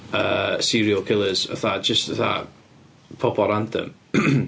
Yy serial killers fatha, jyst fatha, pobol random .